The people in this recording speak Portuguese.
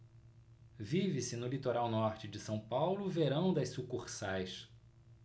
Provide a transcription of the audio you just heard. vive-se no litoral norte de são paulo o verão das sucursais